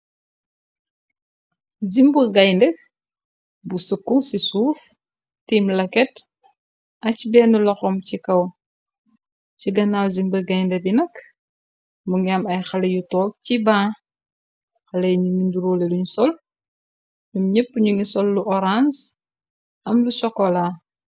zimbu gaynde bu sëkku ci suuf tiim laket ac benn loxom ci kaw ci ganaaw zimbe gaynde bi nak mu ngi am ay xale yu toog ci baan xale ñu ni nduróole luñu sol num ñepp ñu ngi sol lu orange am lu chokola